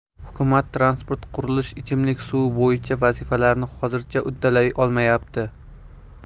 hukumat transport qurilish ichimlik suvi bo'yicha vazifalarini hozircha uddalay olmayapti